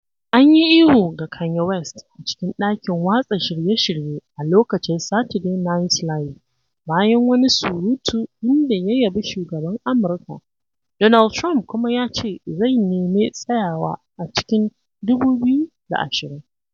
An yi ihu ga Kanye West a cikin ɗakin watsa shirye-shirye a lokacin Saturday Night Live bayan wani surutu inda ya yabi Shugaban Amurka. Donald Trump kuma ya ce zai neme tsayawa a cikin 2020.